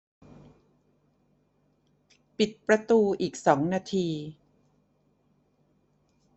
ปิดประตูอีกสองนาที